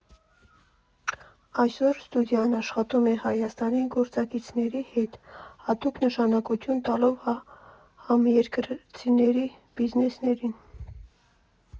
Այսօր ստուդիան աշխատում է Հայաստանի գործընկերների հետ, հատուկ նշանակություն տալով համերկրացիների բիզնեսներին։